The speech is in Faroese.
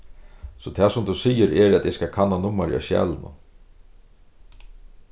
so tað sum tú sigur er at eg skal kanna nummarið á skjalinum